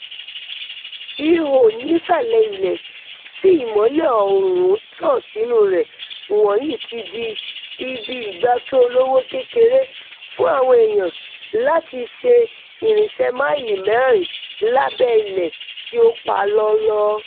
Ihò nísàlẹ̀ ilẹ̀ tí ìmọ́lẹ̀ oòrùn tán sínúu rẹ̀ wọ̀nyí ti di ibi ìgbafẹ́ olówó kékeré fún àwọn èèyàn láti ṣe ìrinsẹ̀ máìlì mẹ́rin lábẹ́ ilẹ̀ tí ó pa lọ́lọ́.